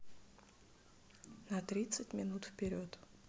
на тридцать минут вперед